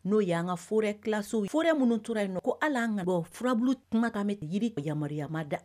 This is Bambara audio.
N'o y'an ka fɛrɛlaso f minnu tora yen nɔ ko ala ka dɔn fbulu tun ka bɛ jiri ka yamaruyama da